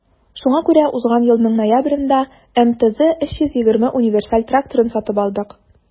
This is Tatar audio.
Шуңа күрә узган елның ноябрендә МТЗ 320 универсаль тракторын сатып алдык.